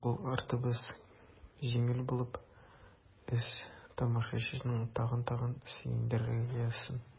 Безнең кул артыбыз җиңел булып, үз тамашачыңны тагын-тагын сөендерергә язсын.